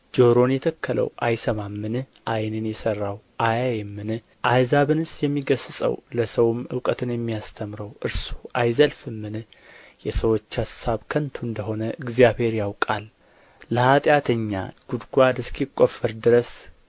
ጆሮን የተከለው አይሰማምን ዓይንን የሠራው አያይምን አሕዛብንስ የሚገሥጸው ለሰውም እውቀት የሚያስተምረው እርሱ አይዘልፍምን የሰዎች አሳብ ከንቱ እንደ ሆነ እግዚአብሔር ያውቃል ለኃጢአተኛ ጕድጓድ እስኪቈፈር ድረስ